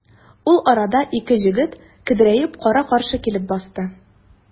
Ул арада ике җегет көдрәеп кара-каршы килеп басты.